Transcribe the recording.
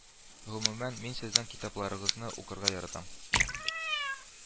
Гомумән мин сезнең китапларыгызны укырга яратам